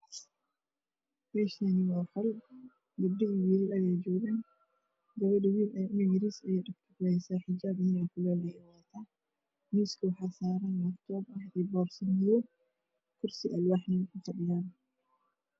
Meeshaan waa qol gabdho iyo wiilal ayaa jooga. Gabar cunug yariisa ayay dhabta kuheysaa xijaab nacnac kuleel ah ayay wadataa. Miiska waxaa saaran laabtoob iyo boorso madow kursi alwaax ah ayay ku fadhiyaan.